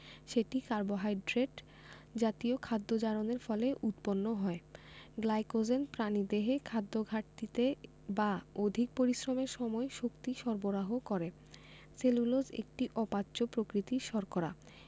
সেটি কার্বোহাইড্রেট জাতীয় খাদ্য জারণের ফলে উৎপন্ন হয় গ্লাইকোজেন প্রাণীদেহে খাদ্যঘাটতিতে বা অধিক পরিশ্রমের সময় শক্তি সরবরাহ করে সেলুলোজ একটি অপাচ্য প্রকৃতির শর্করা